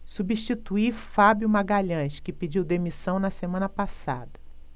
substitui fábio magalhães que pediu demissão na semana passada